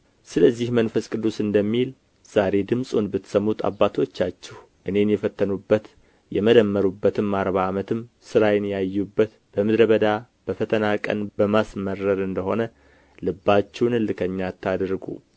ስለዚህ መንፈስ ቅዱስ እንደሚል ዛሬ ድምፁን ብትሰሙት አባቶቻችሁ እኔን የፈተኑበት የመረመሩበትም አርባ ዓመትም ሥራዬን ያዩበት በምድረ በዳ በፈተና ቀን በማስመረር እንደ ሆነ ልባችሁን እልከኛ አታድርጉ